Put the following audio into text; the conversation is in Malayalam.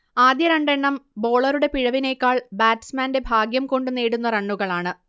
ആദ്യ രണ്ടെണ്ണം ബോളറൂടെ പിഴവിനേക്കാൾ ബാറ്റ്സ്മാന്റെ ഭാഗ്യംകൊണ്ടു നേടുന്ന റണ്ണുകളാണ്